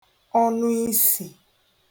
ọnụisì